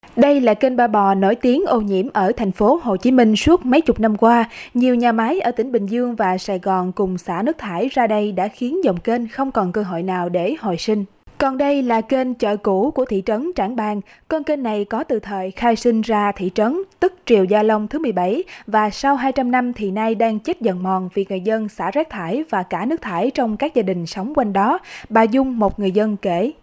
đây là kênh ba bò nổi tiếng ô nhiễm ở thành phố hồ chí minh suốt mấy chục năm qua nhiều nhà máy ở tỉnh bình dương và sài gòn cùng xả nước thải ra đây đã khiến dòng kênh không còn cơ hội nào để hồi sinh còn đây là kênh chợ cũ của thị trấn trảng bàng con kênh này có từ thời khai sinh ra thị trấn tức triều gia long thứ mười bảy và sau hai trăm năm thì nay đang chết dần mòn vì người dân xả rác thải và cả nước thải trong các gia đình sống gần đó bà dung một người dân kể